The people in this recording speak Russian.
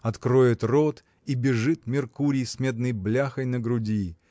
откроет рот – и бежит Меркурий с медной бляхой на груди